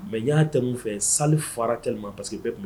Mɛ y' tɛ min fɛ sa fara te ma parce queseke bɛ tun bɛ